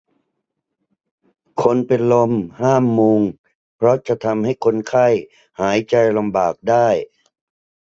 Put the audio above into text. คนเป็นลมห้ามมุงเพราะจะทำให้คนไข้หายใจลำบากได้